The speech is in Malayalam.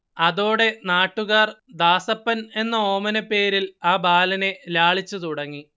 അതോടെ നാട്ടുകാർ ദാസപ്പൻ എന്ന ഓമനപ്പേരിൽ ആ ബാലനെ ലാളിച്ചു തുടങ്ങി